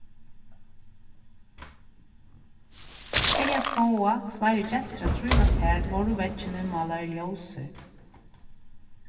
fyri at fáa fleiri gestir at trívast har vóru veggirnir málaðir ljósir